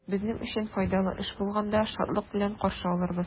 Безнең өчен файдалы эш булганда, шатлык белән каршы алырбыз.